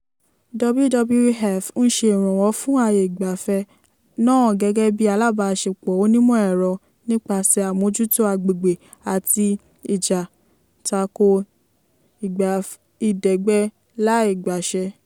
WWF ń ṣe ìrànwọ́ fún àyè ìgbafẹ́ náà gẹ́gẹ́ bíi alábàáṣepọ̀ onímọ̀-ẹ̀rọ nípasẹ̀ àmójútó agbègbè àti ìjà tako ìdẹ̀gbẹ́láìgbàṣẹ.